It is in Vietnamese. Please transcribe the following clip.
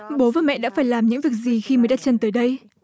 bố và mẹ đã phải làm những việc gì khi mới đặt chân tới đây